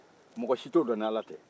mɔgɔ si t'o dɔn ni ala tɛ